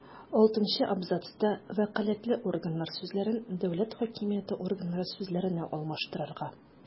Алтынчы абзацта «вәкаләтле органнар» сүзләрен «дәүләт хакимияте органнары» сүзләренә алмаштырырга;